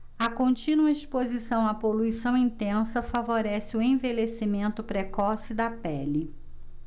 a contínua exposição à poluição intensa favorece o envelhecimento precoce da pele